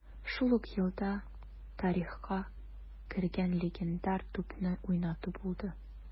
Шул ук елда тарихка кергән легендар тупны уйнату булды: